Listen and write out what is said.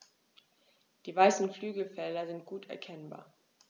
Die weißen Flügelfelder sind gut erkennbar.